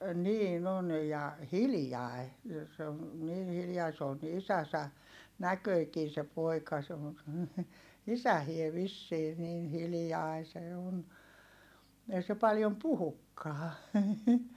niin on ja hiljainen se on niin hiljainen se on niin isänsä näköinenkin se poika se on isäkin vissiin niin hiljainen se on ei se paljon puhukaan